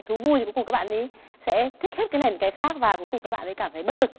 thú vui cùng các bạn ý sẽ thích hết cái này cái khác và cuối cùng các bạn ấy cảm thấy bất lực